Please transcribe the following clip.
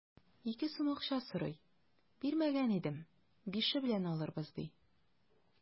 Ике сум акча сорый, бирмәгән идем, бише белән алырбыз, ди.